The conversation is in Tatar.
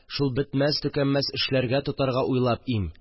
Шул бетмәс-төкәнмәс эшләргә тотарга уйлап им